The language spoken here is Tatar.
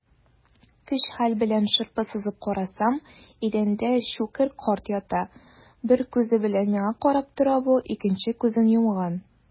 Көч-хәл белән шырпы сызып карасам - идәндә Щукарь карт ята, бер күзе белән миңа карап тора бу, икенче күзен йомган.